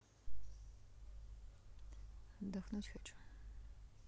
отдохнуть хочу